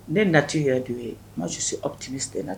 Ne nature yɛrɛ de yo ye. Moi je suis optimiste